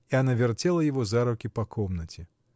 — И она вертела его за руки по комнате.